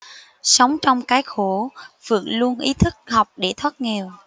sống trong cái khổ phượng luôn ý thức học để thoát nghèo